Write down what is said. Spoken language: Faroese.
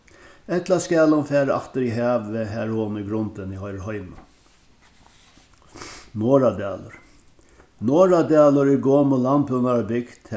ella skal hon fara aftur í havið har hon í grundini hoyrir heima norðradalur norðradalur er gomul landbúnaðarbygd